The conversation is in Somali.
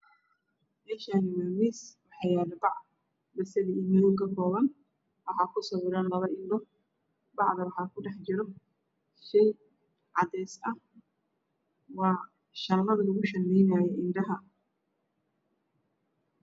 Meeshaani waa miis waxaa yaalo bac basali iyo madow ka kooban waxaa ku sawiran labo indho bacda waxaa ku dhex jira shay cadays ah waa shalanlada lagu shalaynaayey indhaha